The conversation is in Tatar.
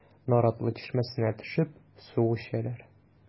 Наратлы чишмәсенә төшеп су эчәләр.